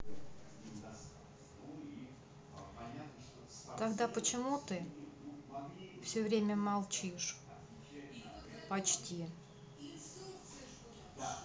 тогда почему ты все время молчишь почти